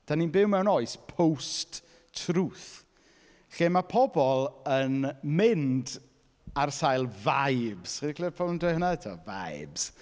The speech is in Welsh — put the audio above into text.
Dan ni'n byw mewn oes post-truth lle ma' pobl yn mynd ar sail vibes chi 'di clywed pobl yn dweud hynna eto? Vibes.